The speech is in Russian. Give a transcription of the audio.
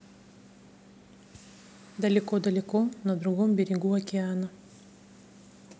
далеко далеко на другом берегу океана